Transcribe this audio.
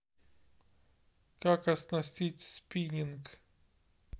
как оснастить спиннинг